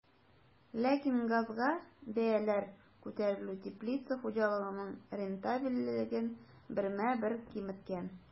Ләкин газга бәяләр күтәрелү теплица хуҗалыгының рентабельлеген бермә-бер киметкән.